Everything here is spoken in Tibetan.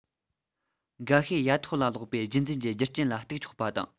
འགའ ཤས ཡ ཐོག ལ ལོག པའི རྒྱུད འཛིན གྱི རྒྱུ རྐྱེན ལ གཏུག ཆོག པ དང